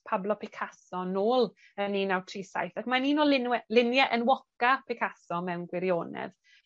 Pablo Picasso nôl yn un naw tri saith, ac mae'n un o lunwe lunie enwoca Picasso mewn gwirionedd,